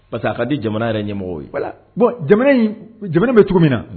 Parce que a k ka di jamana yɛrɛ ɲɛmɔgɔ ye in jamana bɛ cogo min na